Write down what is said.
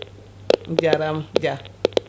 jarama Dia